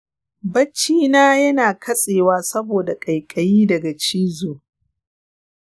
bacci na yana katsewa saboda ƙaiƙayi daga cizo.